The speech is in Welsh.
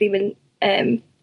ddim yn ymm